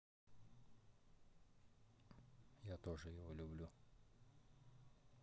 я тоже его люблю